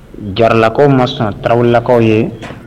Jaralakaw ma sɔnta lakaw ye